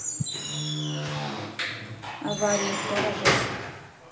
аварии паровоз